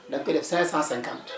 da nga koy def 550